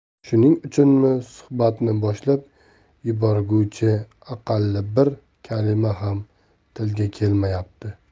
shuning uchunmi suhbatni boshlab yuborguvchi aqalli bir kalima ham tilga kelmayapti